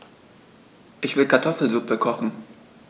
Ich will Kartoffelsuppe kochen.